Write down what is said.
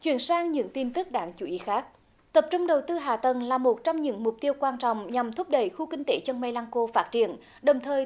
chuyển sang những tin tức đáng chú ý khác tập trung đầu tư hạ tầng là một trong những mục tiêu quan trọng nhằm thúc đẩy khu kinh tế chân mây lăng cô phát triển đồng thời